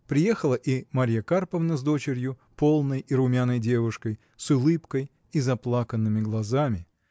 Приехала и Марья Карповна с дочерью полной и румяной девушкой с улыбкой и заплаканными глазами.